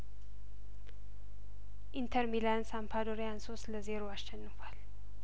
ኢንተር ሚላን ሳምፓ ዶሪያን ሶስት ለዜሮ አሸንፏል